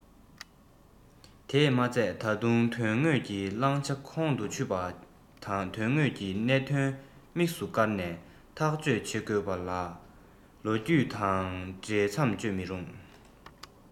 དེས མ ཚད ད དུང དོན དངོས ཀྱི བླང བྱ ཁོང དུ ཆུད པ དང དོན དངོས ཀྱི གནད དོན དམིགས སུ བཀར ནས ཐག གཅོད བྱེད དགོས པ ལས ལོ རྒྱུས དང འབྲེལ མཚམས གཅོད མི རུང